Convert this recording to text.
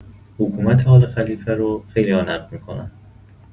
حکومت آل‌خلیفه رو خیلی‌ها نقد می‌کنن.